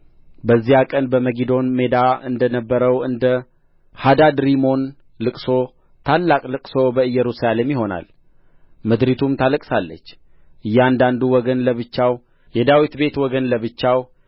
በዚያ ቀን በመጊዶን ሜዳ እንደ ነበረው እንደ ሐዳድሪሞን ልቅሶ ታላቅ ልቅሶ በኢየሩሳሌም ይሆናል ምድሪቱም ታለቅሳለች እያንዳንዱ ወገን ለብቻው የዳዊት ቤት ወገን ለብቻው